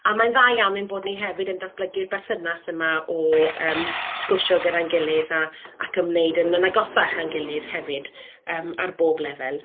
a ma'n dda iawn ein bod ni hefyd yn datblygu'r berthynas yma o yym sgwrsio gyda'n gilydd a ac ymwneud yn yn agosach â'n gilydd hefyd yym ar bob lefel.